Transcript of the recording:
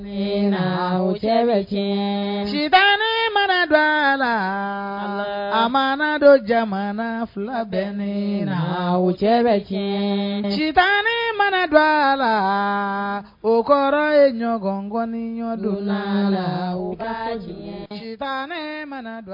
Ne cɛ bɛ cɛ ci tan mana dɔ a la a mana dɔ jamana fila bɛ ne wo cɛ bɛ cɛ ci tan mana don a la o kɔrɔ ye ɲɔgɔnkɔni ɲɔgɔndon la la u ba diɲɛ tan ne mana